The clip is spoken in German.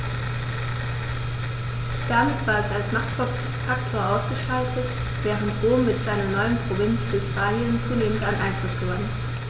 Damit war es als Machtfaktor ausgeschaltet, während Rom mit seiner neuen Provinz Hispanien zunehmend an Einfluss gewann.